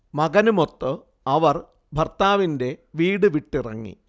മകനുമൊത്ത് അവർ ഭർത്താവിന്റെ വീട് വിട്ടിറങ്ങി